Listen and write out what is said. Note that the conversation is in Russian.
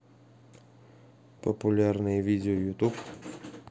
популярное видео ютуб